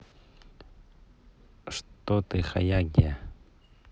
что ты хуягия